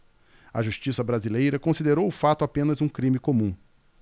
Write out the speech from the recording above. a justiça brasileira considerou o fato apenas um crime comum